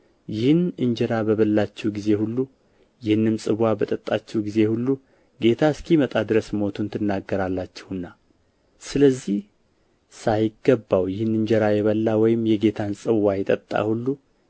ይህን እንጀራ በበላችሁ ጊዜ ሁሉ ይህንም ጽዋ በጠጣችሁ ጊዜ ሁሉ ጌታ እስኪመጣ ድረስ ሞቱን ትናገራላችሁና ስለዚህ ሳይገባው ይህን እንጀራ የበላ ወይም የጌታን ጽዋ የጠጣ ሁሉ